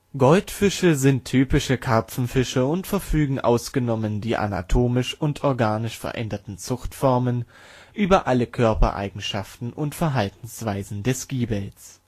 Goldfische sind typische Karpfenfische und verfügen, ausgenommen die anatomisch und organisch veränderten Zuchtformen, über alle Körpereigenschaften und Verhaltensweisen des Giebels